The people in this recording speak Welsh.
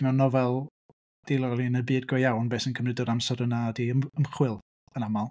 Mewn nofel dilyn y byd go iawn be sy'n cymryd yr amser yna ydy ym- ymchwil, yn aml.